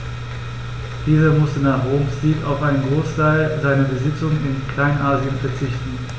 Dieser musste nach Roms Sieg auf einen Großteil seiner Besitzungen in Kleinasien verzichten.